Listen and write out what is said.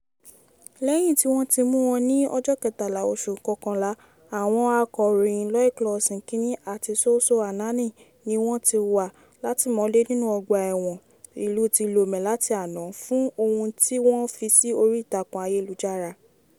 #Togo: lẹ́yìn tí wọ́n mú wọn ní 13/11,àwọn akọ̀ròyìn @loiclawson1 ati @SossouAnani ni wọ́n ti wà látìmọ́lé nínú ọgbà ẹ̀wọ̀n ìlú ti Lomé láti àná fún ohun tí wọ́n fi sì orí ìtàkùn ayélujára.